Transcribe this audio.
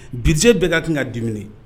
Budget bɛ ka kan ka diminuer